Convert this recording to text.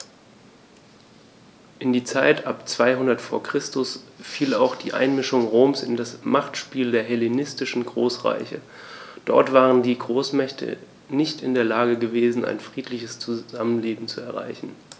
In die Zeit ab 200 v. Chr. fiel auch die Einmischung Roms in das Machtspiel der hellenistischen Großreiche: Dort waren die Großmächte nicht in der Lage gewesen, ein friedliches Zusammenleben zu erreichen.